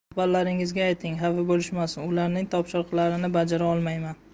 rahbarlaringizga ayting xafa bo'lishmasin ularning topshiriqlarini bajara olmayman